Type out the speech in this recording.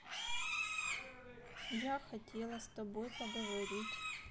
я хотела с тобой поговорить